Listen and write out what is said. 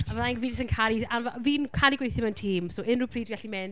A fyddai'n, fi jyst yn caru anf... fi'n caru gweithio mewn tîm, so unrhyw pryd fi’n gallu mynd...